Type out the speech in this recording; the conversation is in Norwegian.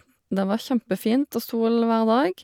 Det var kjempefint og sol hver dag.